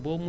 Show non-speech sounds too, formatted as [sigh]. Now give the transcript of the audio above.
[hesitation] [hesitation]